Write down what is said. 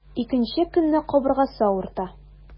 Икенче көнне кабыргасы авырта.